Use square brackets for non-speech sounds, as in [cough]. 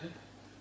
[hesitation]